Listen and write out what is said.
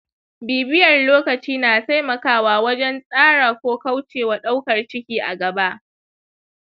bibiyar lokaci na taimakawa wajen tsara ko kauce wa ɗaukar ciki a gaba.